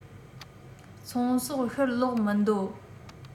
ཚོང ཟོག ཕྱིར སློག མི འདོད